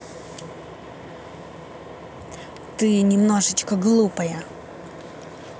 ты немножечко глупая